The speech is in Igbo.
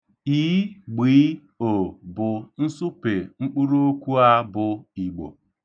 'I', 'gb', 'o', bụ nsụpe mkpụrụokwu a bụ 'Igbo'.